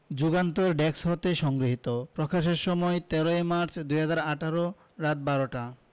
Jugantor desk হতে সংগৃহীত প্রকাশের সময় ১৩ মার্চ ২০১৮ রাত ১২:০০ টা